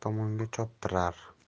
har tomonga choptirar